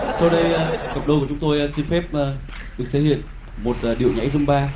sau đây a cặp đôi của chúng tôi a xin phép a được thể hiện một điệu nhảy rum ba